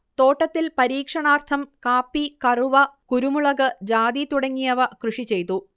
തോട്ടത്തിൽ പരീക്ഷണാർത്ഥം കാപ്പി, കറുവ, കുരുമുളക്, ജാതി തുടങ്ങിയവ കൃഷി ചെയ്തു